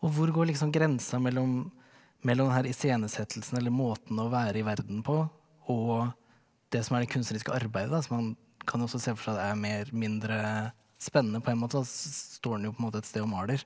og hvor går liksom grensa mellom mellom den her iscenesettelsen eller måten å være i verden på og det som er det kunstneriske arbeidet som man kan også se for seg at er mer mindre spennende på en måte da står den jo på en måte et sted og maler.